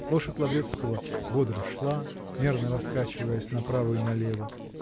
Лошадь Лаврецкого бодро шла, мерно раскачиваясь направо и налево